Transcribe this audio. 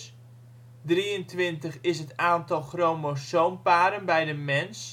Drieëntwintig is het aantal chromosoomparen bij de mens